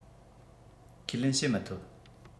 ཁས ལེན བྱེད མི ཐུབ